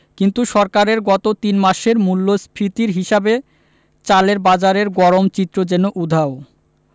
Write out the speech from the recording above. কিন্তু সরকারের গত তিন মাসের মূল্যস্ফীতির হিসাবে চালের বাজারের গরম চিত্র যেন উধাও